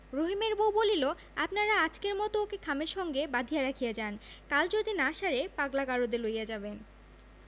রহিমের বউ বলিল আপনারা আজকের মতো ওকে খামের সঙ্গে বাঁধিয়া রাখিয়া যান কাল যদি না সারে পাগলা গারদে লইয়া যাইবেন